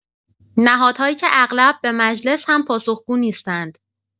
نهادهایی که اغلب به مجلس هم پاسخگو نیستند.